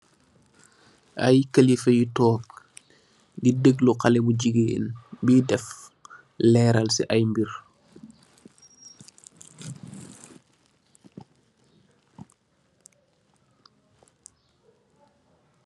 Ay kelifa yu tóóg di dèglu xaleh bu gigeen bui def leral ci ay mbir.